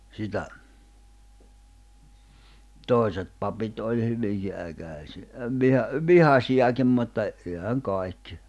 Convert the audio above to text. sitä toiset papit oli hyvinkin --- vihaisiakin mutta eihän kaikki